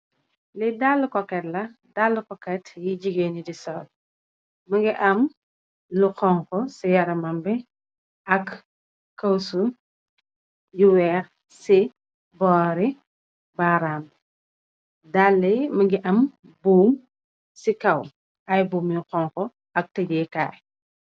Lee dalle koket la dalle koket yi jigée ni di sol më ngi am lu xonxo ci yaramambi ak cëwsu yu weex ci boori baaraam dalle ye më ngi am buum ci kaw ay buumu xonko ak tëjéekaay.